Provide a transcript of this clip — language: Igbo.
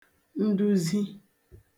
nduzi